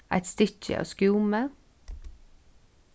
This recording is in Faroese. eitt stykki av skúmi